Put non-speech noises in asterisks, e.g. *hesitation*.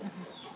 *hesitation* *hesitation*